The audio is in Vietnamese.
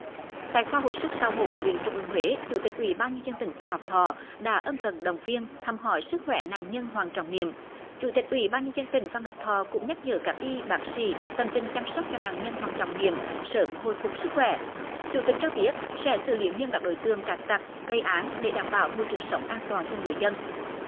tại khoa hồi sức sau mổ bệnh viện trung ương huế chủ tịch ủy ban nhân dân tỉnh phan ngọc thọ đã ân cần động viên thăm hỏi sức khỏe nạn nhân hoàng trọng điểm chủ tịch ủy ban nhân dân tỉnh phan ngọc thọ cũng nhắc nhở các y bác sĩ tận tình chăm sóc cho nạn nhân hoàng trọng điểm sớm hồi phục sức khỏe chủ tịch cho biết sẽ xử lý nghiêm các đối tượng cát tặc gây án để đảm bảo môi trường sống an toàn cho người dân